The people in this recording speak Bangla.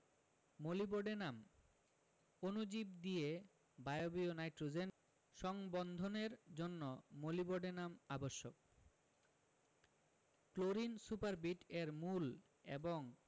মোলিবডেনাম অণুজীব দিয়ে বায়বীয় নাইট্রোজেন সংবন্ধনের জন্য মোলিবডেনাম আবশ্যক ক্লোরিন সুপারবিট এর মূল এবং